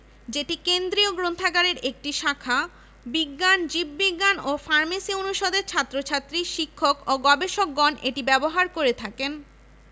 এ কমপ্লেক্সে রয়েছে একটি ক্যাফেটরিয়া এক হাজার আসনবিশিষ্ট অডিটোরিয়াম ২টি সেমিনার কক্ষ ভিজিটিং শিক্ষকদের জন্য অতিথি ভবন একটি গ্রন্থাগার